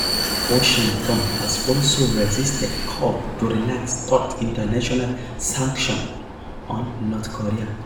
Washington has also resisted calls to relax tough international sanctions on North Korea.